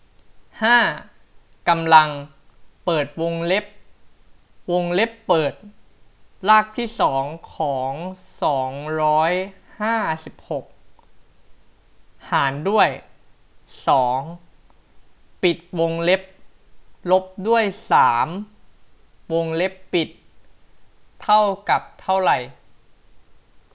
ห้ากำลังเปิดวงเล็บวงเล็บเปิดรากที่สองของสองร้อยห้าสิบหกหารด้วยสองปิดวงเล็บลบด้วยสามวงเล็บปิดเท่ากับเท่าไหร่